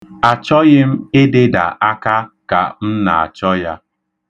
Achọghị m ịdịda aka ka m na-achọ ya.